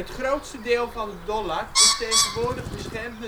grootste deel van Dollard is tegenwoordig beschermd